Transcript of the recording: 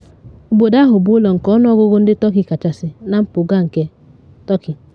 Obodo ahụ bụ ụlọ nke ọnụọgụgụ ndị Turkey kachasị na mpụga nke Turkey.